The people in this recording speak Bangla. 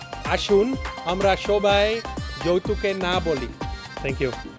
আসুন আমরা সবাই যৌতুক কে না বলি থ্যাঙ্ক ইউ